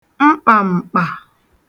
mkpàm̀kpà